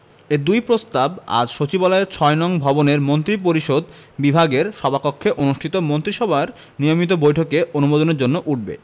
এ দুই প্রস্তাব আজ সচিবালয়ের ৬ নং ভবনের মন্ত্রিপরিষদ বিভাগের সভাকক্ষে অনুষ্ঠিত মন্ত্রিসভার নিয়মিত বৈঠকে অনুমোদনের জন্য উঠবে